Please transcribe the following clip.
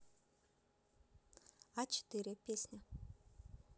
а четыре песня